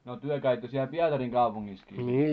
no te kävitte siellä Pietarinkaupunkiin sitten